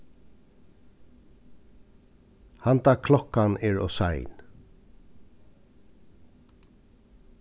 handa klokkan er ov sein